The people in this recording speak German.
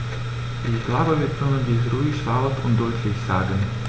Ich glaube, wir können dies ruhig laut und deutlich sagen.